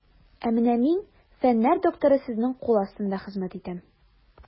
Ә менә мин, фәннәр докторы, сезнең кул астында хезмәт итәм.